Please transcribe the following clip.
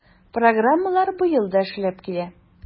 Программалар быел да эшләп килә.